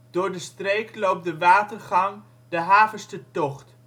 Door de streek loop de watergang de Haverstertocht